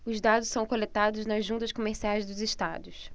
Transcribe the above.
os dados são coletados nas juntas comerciais dos estados